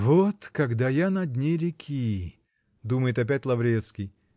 "Вот когда я на дне реки, -- думает опять Лаврецкий.